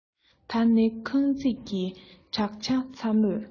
ད ནི ཁང བརྩེགས ཀྱི བྲག ཅ ཚ མོས